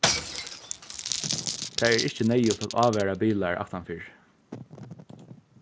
tað er ikki er neyðugt at ávara bilar aftanfyri